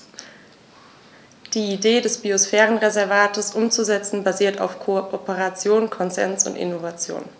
Die Idee des Biosphärenreservates umzusetzen, basiert auf Kooperation, Konsens und Innovation.